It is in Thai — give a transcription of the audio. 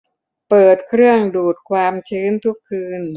เปิดเครื่องดูดความชื้นทุกคืน